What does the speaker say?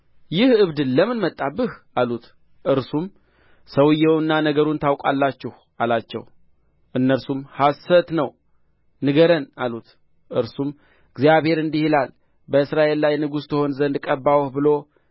ይህ እብድ ለምን መጣብህ አሉት እርሱም ሰውዮውንና ነገሩን ታውቃላችሁ አላቸው እነርሱም ሐሰት ነው ንገረን አሉት እርሱም እግዚአብሔር እንዲህ ይላል በእስራኤል ላይ ንጉሥ ትሆን ዘንድ ቀባሁህ ብሎ